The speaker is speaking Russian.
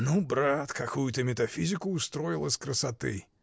— Ну, брат, какую ты метафизику устроил из красоты!